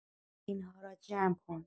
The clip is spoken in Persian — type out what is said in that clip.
این‌ها را جمع‌کن.